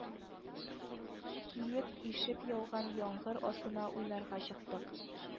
Киеп, ишеп яуган яңгыр астына уйнарга чыктык